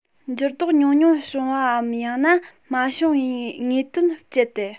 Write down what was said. འགྱུར ལྡོག ཉུང ཉུང བྱུང བའམ ཡང ན མ བྱུང བའི དངོས དོན སྤྱད དེ